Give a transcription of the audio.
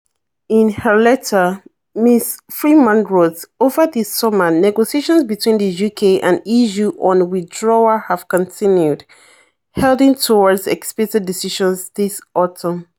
In her letter, Ms Freeman wrote: "Over the summer, negotiations between the UK and EU on withdrawal have continued, heading towards expected decisions this autumn.